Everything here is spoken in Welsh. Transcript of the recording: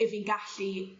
'yf fi'n gallu